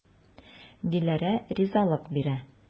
Диләрә ризалык бирә.